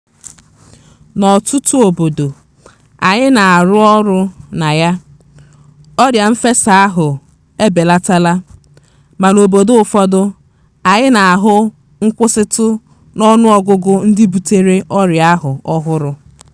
N'ọtụtụ obodo anyị na-arụ ọrụ na ya, ọrịa mfesa ahụ ebelatala, ma n'obodo ụfọdụ anyị na-ahụ nkwụsịtụ n'ọnụọgụgụ ndị butere ọrịa ahụ ọhụrụ.